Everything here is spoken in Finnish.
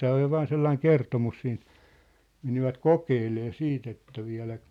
tämä on ja vain sellainen kertomus siitä menivät kokeilemaan sitten että vieläkö